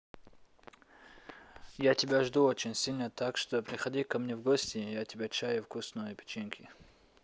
я тебя жду очень сильно так что приходи ко мне в гости я тебя чаю вкусного печеньки